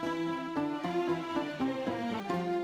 Sanunɛgɛnin